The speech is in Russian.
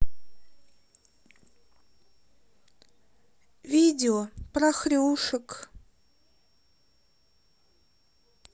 видео про хрюшек